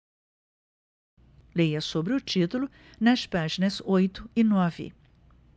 leia sobre o título nas páginas oito e nove